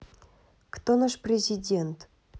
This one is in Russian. кто наш президент